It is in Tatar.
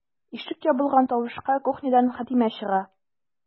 Ишек ябылган тавышка кухнядан Хәтимә чыга.